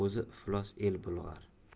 o'zi iflos el bulg'ar